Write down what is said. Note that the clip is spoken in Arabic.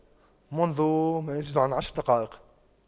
منذ ما يزيد عن عشر دقائق